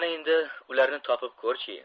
endi ularni topib ko'r chi